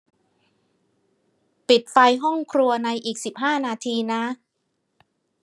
ปิดไฟห้องครัวในอีกสิบห้านาทีนะ